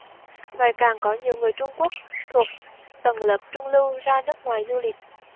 ngày càng có nhiều người trung quốc thuộc tầng lớp trung lưu ra nước ngoài du lịch